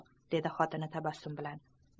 dedi xotini iltifot bilan